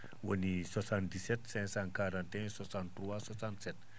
77 542 63 67